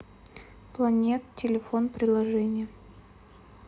planet телефон приложение